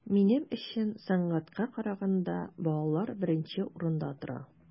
Минем өчен сәнгатькә караганда балалар беренче урында тора.